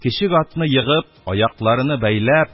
Кечек атны егып, аякларыны бәйләп,